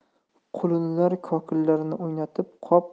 qulunlar kokillarini o'ynatib qop